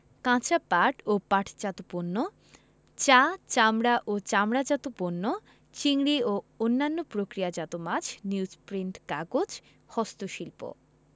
কাঁচা পাট ও পাটজাত পণ্য চা চামড়া ও চামড়াজাত পণ্য চিংড়ি ও অন্যান্য প্রক্রিয়াজাত মাছ নিউজপ্রিন্ট কাগজ হস্তশিল্প